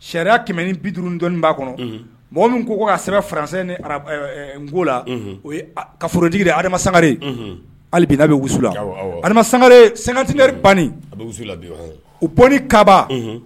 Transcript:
Sariya kɛmɛ ni bid dɔnni' kɔnɔ mɔgɔ min ko ko ka sɛbɛnbɛ faransɛn ni ara n ko la o ka forojigi adama sagare alibiina bɛ wusu la adamagare santiri ban u bɔ ni kababa